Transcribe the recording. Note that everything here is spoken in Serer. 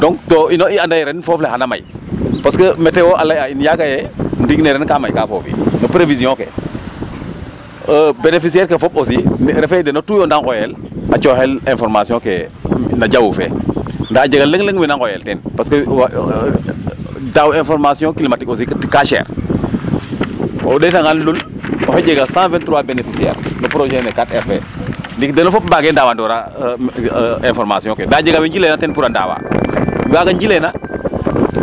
Donc to ino i anda yee foof le xay a may parce que météo a lay'a in largement :far ye ndiig ne ren kaa mayka foofi no prévision ke bénéficiaire ke fop refee yee den tous yo naa nqooyel a cooxel information :far ke no jawu fe ndaq a jega leŋ leŋ ke na nqooyel teen parce que daaw information climatique aussi ka chere:frq o ɗeetangaan Lul oxey jega 123 bénéficiaire no projet ne 4R fe ndiiki den o fop mbaage ndawandoora information ke ndaa a jega we njileena teen pour a ndeaw weaga njileena